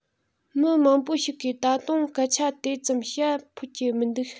མི མང པོ ཞིག གིས ད དུང སྐད ཆ དེ ཙམ བཤད ཕོད ཀྱི མི འདུག